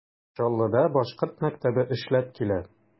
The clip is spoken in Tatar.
Чаллыда башкорт мәктәбе эшләп килә.